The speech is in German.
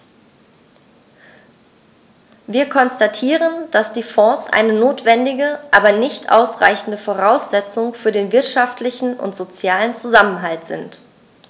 Wir konstatieren, dass die Fonds eine notwendige, aber nicht ausreichende Voraussetzung für den wirtschaftlichen und sozialen Zusammenhalt sind.